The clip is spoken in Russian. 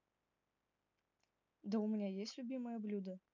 да у меня есть любимое блюдо